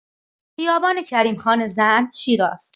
خیابان کریم‌خان زند شیراز